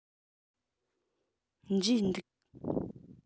འབྲས འདུག